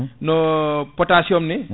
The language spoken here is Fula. no potassium ni